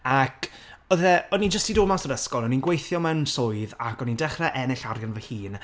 ac, odd e... o'n i jyst 'di dod mas o'r ysgol, o'n i'n gweithio mewn swydd, ac o'n i'n dechre ennill arian fy hun,